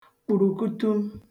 kpùrùkutum